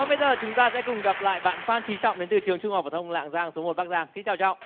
và bây giờ chúng ta sẽ cùng gặp lại bạn phan trí trọng đến từ trường trung học phổ thông lạng giang số một bắc giang xin chào trọng